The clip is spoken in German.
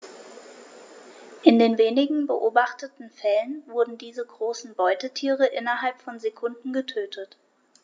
In den wenigen beobachteten Fällen wurden diese großen Beutetiere innerhalb von Sekunden getötet.